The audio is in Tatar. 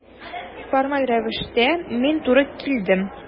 Формаль рәвештә мин туры килдем.